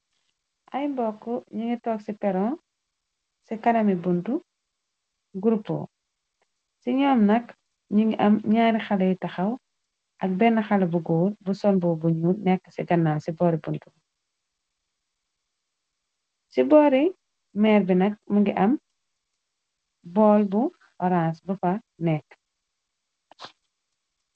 Ay mbokk ñu ngi tog ci peron ci kanami bunt grupo ci ñoom nak ñu ngi am ñaari xaley taxaw ak benn xale bu góor bu sonbu buñu nekk ci gannal ci boori bunt ci boori meer bi nak mu ngi am bool bu horance bu fa nekk.